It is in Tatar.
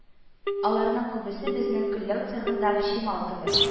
Аларның күбесе безнең көлләү цехындагы чимал кебек